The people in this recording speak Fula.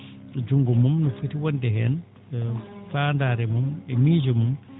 juutngo mum foti wonde heen faandaare mum e miijo mum